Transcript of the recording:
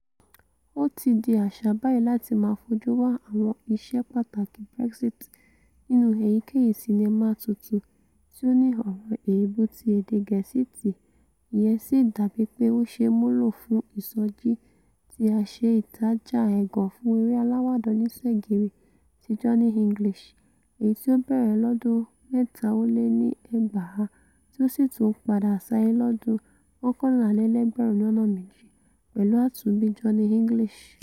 O tí di àṣà báyìí láti máa fojú wa àwọn ìṣepàtàki Brexit nínú èyíkéyìí sinnima tuntun tí ó ní ọ̀rọ̀ èébú ti èdè Gẹ̀ẹ́sìti ìyẹn sì dàbí pé ó ṣ̵̵eé múlò fún ìsọjí ti àṣẹ-ìtaja ẹ̀gàn fún eré aláwàdà-oníṣegírí ti Johnny English - èyití o bẹ̀rẹ̀ lọ́dún 2003 ţí ó sì tún padà s'áyé lọ́dún 2011 pẹ̀lú Àtúnbi Johnny English.